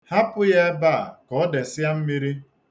Hapụ ya ebe a ka ọ desịa mmiri.